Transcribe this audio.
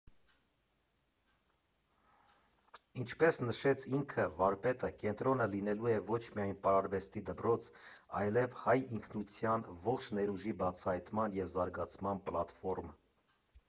Ինչպես նշեց ինքը՝ վարպետը, կենտրոնը լինելու է ոչ միայն պարարվեստի դպրոց, այլև հայ ինքնության ողջ ներուժի բացահայտման և զարգացման պլատֆորմ։